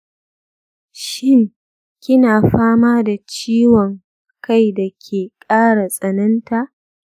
shin kina fama da ciwon kai da ke ƙara tsananta?